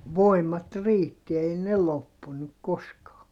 voimat riitti ei ne loppunut koskaan